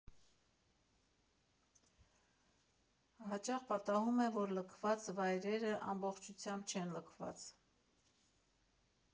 Հաճախ պատահում է, որ լքված վայրերը ամբողջությամբ չեն լքված։